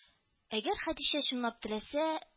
Әгәр Хәдичә чынлап теләсә